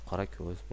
qora ko'z